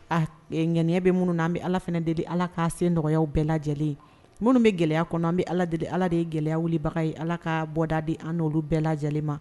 A ŋ bɛ minnu na an bɛ ala fanainɛ deli ala ka sen nɔgɔya bɛɛ lajɛlen minnu bɛ gɛlɛya kɔnɔ an bɛ alad ala de ye gɛlɛya wilibaga ye ala ka bɔda di an nolu bɛɛ lajɛlen ma